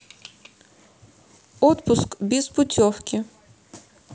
отпуск без путевки